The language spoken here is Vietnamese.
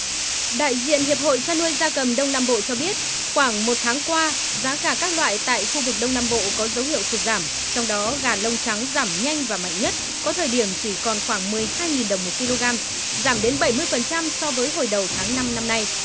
đại diện hiệp hội chăn nuôi gia cầm đông nam bộ cho biết khoảng một tháng qua giá cả các loại tại khu vực đông nam bộ có dấu hiệu sụt giảm trong đó gà lông trắng giảm nhanh và mạnh nhất có thời điểm chỉ còn khoảng mười hai nghìn đồng một ki lô gam giảm đến bảy mươi phần trăm so với hồi đầu tháng năm năm nay